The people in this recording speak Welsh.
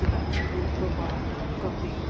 Dyna beth sy'n gwneud i bobl godi.